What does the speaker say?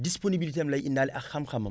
disponibilité lay indaale ak xam-xamam